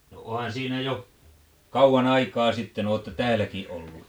no onhan siinä jo kauan aikaa sitten olette täälläkin ollut